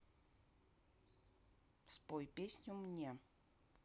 спой песню мне